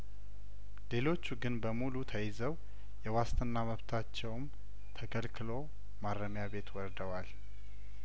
ሌሎቹ ግን በሙሉ ተይዘው የዋስትና መብታቸውም ተከልክሎ ማረሚያቤት ወር ደዋል